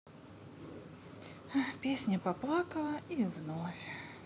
песня поплакала и вновь